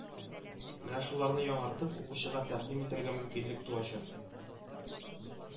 Менә шуларны яңартып укучыга тәкъдим итәргә мөмкинлек туачак